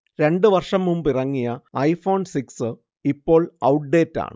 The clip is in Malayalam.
രണ്ടു വർഷം മുമ്പിറങ്ങിയ ഐഫോൺ സിക്സ് ഇപ്പോൾ ഔട്ട്ഡേറ്റ് ആണ്